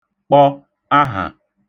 kpọ ahà